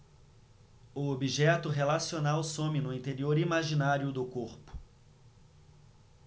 o objeto relacional some no interior imaginário do corpo